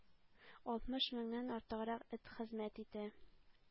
Алтмыш меңнән артыграк эт хезмәт итә.